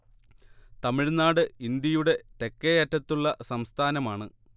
തമിഴ്നാട് ഇന്ത്യയുടെ തെക്കേയറ്റത്തുള്ള സംസ്ഥാനമാണ്